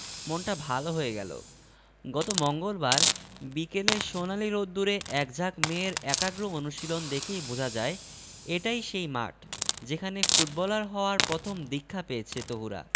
মনটা ভালো হয়ে গেল গত মঙ্গলবার বিকেলে সোনালি রোদ্দুরে একঝাঁক মেয়ের একাগ্র অনুশীলন দেখেই বোঝা যায় এটাই সেই মাঠ যেখানে ফুটবলার হওয়ার প্রথম দীক্ষা পেয়েছে তহুরা